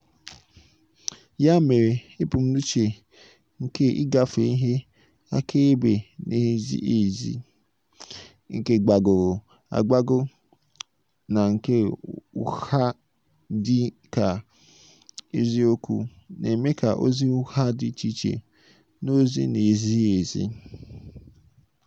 Ya mere, ebumnuche nke ịgafe ihe akaebe na-ezighi ezi, nke gbagọrọ agbagọ na nke ụgha dị ka eziokwu, na-eme ka ozi ugha dị iche na ozi na-ezighi ezi.